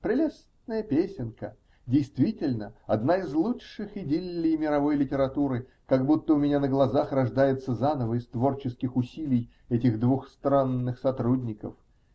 прелестная песенка, действительно одна из лучших идиллий мировой литературы, как будто у меня на глазах рождается заново из творческих усилий этих двух странных сотрудников.